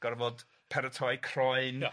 Gorfod paratoi croen